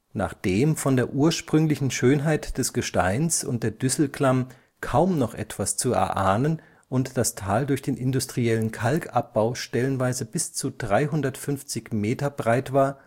Nachdem von der ursprünglichen Schönheit des Gesteins und der Düsselklamm kaum noch etwas zu erahnen und das Tal durch den industriellen Kalkabbau stellenweise bis zu 350 m breit war